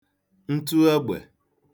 ǹtụ ègbè